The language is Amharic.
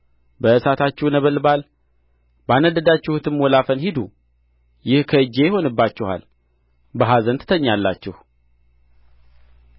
በእሳታችሁ ነበልባል ባነደዳችሁትም ወላፈን ሂዱ ይህ ከእጄ ይሆንባችኋል በኀዘን ትተኛላችሁ